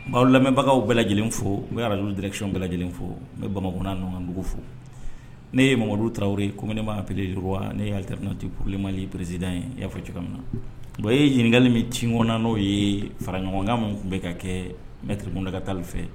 Ma lamɛnmɛbagaw bɛɛ lajɛlen fo u ye araz dɛrɛkiy bɛɛ lajɛlen fo n bɛ bama nɔn ka dugu fo ne ye mɔgɔmadu taraweleri ko neen'a pereur wa ne ye yarerinana tɛ purlema peresida in ye i y'a fɔ cogo min na bon e ɲinikali min ciinɔnna n'o ye faraɲɔgɔnkan minnu tun bɛ ka kɛ mɛtiririmkundaka taa fɛ